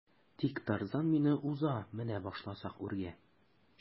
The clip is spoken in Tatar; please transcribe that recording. Тик Тарзан мине уза менә башласак үргә.